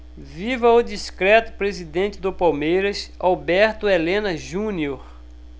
viva o discreto presidente do palmeiras alberto helena junior